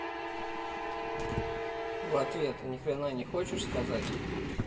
а в ответ ни хрена не хочешь сказать